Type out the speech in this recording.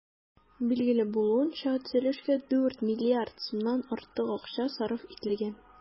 Билгеле булуынча, төзелешкә 4 миллиард сумнан артык акча сарыф ителгән.